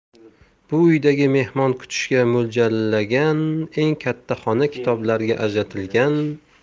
bu uydagi mehmon kutishga mo'ljallangan eng katta xona kitoblarga ajratilgan